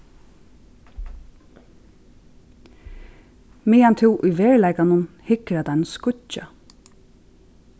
meðan tú í veruleikanum hyggur at einum skíggja